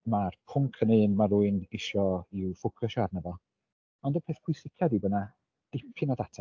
Ma'r pwnc yn un ma' rywun isio i'w ffocysio arno fo ond y peth pwysicaf ydy bod 'na dipyn o ddata.